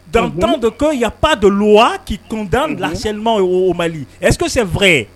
Donc dama dɔ ko yafa dɔ wa k'i tun bila salilima yema ɛs ko sen furakɛ ye